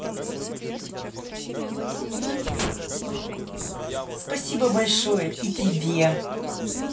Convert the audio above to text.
спасибо большое и тебе